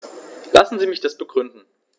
Lassen Sie mich das begründen.